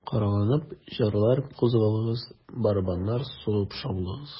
Коралланып, җырлар, кузгалыгыз, Барабаннар сугып шаулагыз...